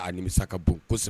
A nimisa ka bon